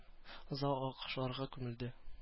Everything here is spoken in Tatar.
Зал алкышларга күмелде.